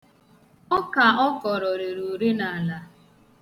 Ọka ọ kọrọ rere ure n'ala.